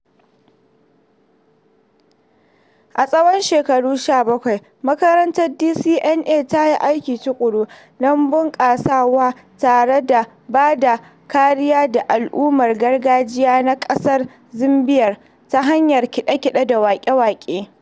A tsawon shekaru 17, makarantar DCMA ta yi aiki tuƙuru don bunƙasawa tare da ba da kariya ga al'adun gargajiya na ƙasar Zanzibar ta hanyar kaɗe-kaɗe da waƙe-waƙe.